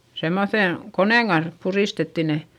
semmoisen koneen kanssa puristettiin ne